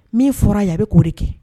Min fɔra a ye a bɛ k'o de kɛ.